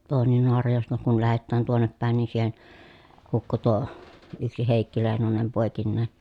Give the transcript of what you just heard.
tuonne Naarajoesta kun lähetään tuonne päin niin siihen hukkui tuo yksi Heikki Leinonen poikineen